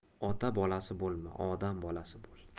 ota bolasi bo'lma odam bolasi bo'l